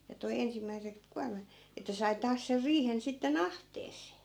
ja toi ensimmäiset kuormat että sai taas sen riihen sitten ahteeseen